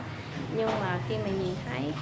nhưng mà